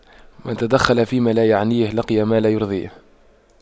من تَدَخَّلَ فيما لا يعنيه لقي ما لا يرضيه